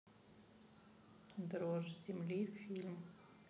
дрожь земли фильм